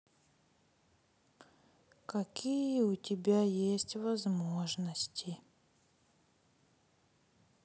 какие у тебя есть возможности